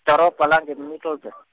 idorobha lange Middelbu-.